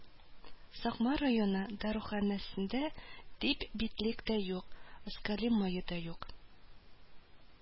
Сакмар районы даруханәсендә дә битлек тә юк, оксолин мае да юк